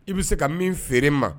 I bɛ se ka min feere ma